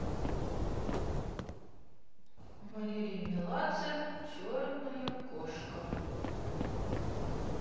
валерий меладзе черная кошка